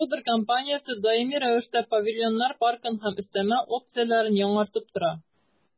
«родер» компаниясе даими рәвештә павильоннар паркын һәм өстәмә опцияләрен яңартып тора.